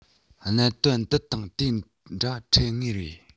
གནད དོན འདི དང དེ འདྲ འཕྲད ངེས རེད